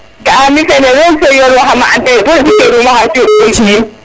ga a mi fene roog fe yoor wa xama anda ye bo jikeer ma xa cuuɗ deen kin